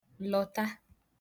lọ̀ta